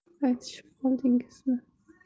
aytishib qoldingizmi